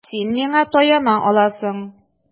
Син миңа таяна аласың.